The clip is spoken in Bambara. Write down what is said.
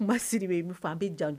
Ma siri bɛ n fɔ an bɛ janj